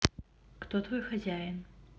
кто твой хозяин